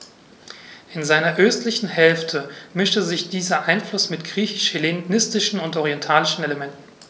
In seiner östlichen Hälfte mischte sich dieser Einfluss mit griechisch-hellenistischen und orientalischen Elementen.